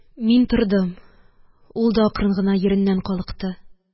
Мин тордым, ул да акрын гына йиреннән калыкты